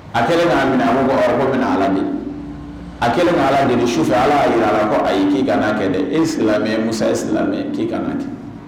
A kɛlen k'a minɛ a bɔ ala minɛ ala de a kɛlen k ala de ni sufɛ ala ala ayi k' kana kɛ dɛ e mu e k' kana ten